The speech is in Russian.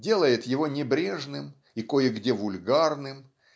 делает его небрежным и кое-где вульгарным